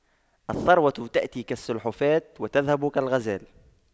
الثروة تأتي كالسلحفاة وتذهب كالغزال